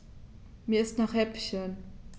Mir ist nach Häppchen.